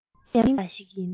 རང བཞིན ལྡན པ ཞིག ཡིན